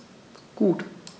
Gut.